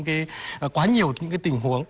cái quá nhiều những cái tình huống